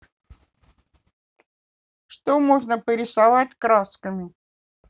что можно порисовать красками